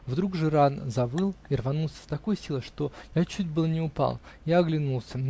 Вдруг Жиран завыл и рванулся с такой силой, что я чуть было не упал. Я оглянулся.